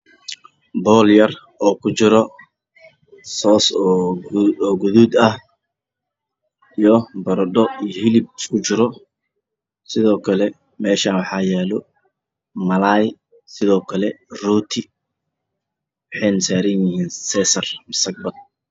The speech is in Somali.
Weel yar oo kujiro suus oo gaduud ah iyo baradho iyo hilib isku jiro, sidoo kale meeshaan waxaa yaalo malaay, rooti, waxay saaran yihiin seesar ama sakbad.